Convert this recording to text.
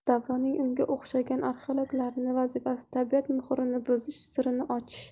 davronning unga o'xshagan arxeologlarning vazifasi tabiat muhrini buzish sirni ochish